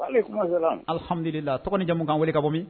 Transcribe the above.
M la tɔgɔ ni jamumukan wele ka bɔ